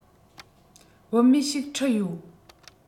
བུད མེད ཞིག ཁྲིད ཡོད